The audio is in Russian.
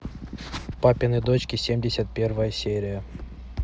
папины дочки семьдесят первая серия